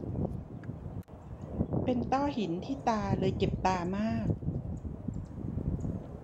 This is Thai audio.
เป็นต้อหินที่ตาเลยเจ็บตามาก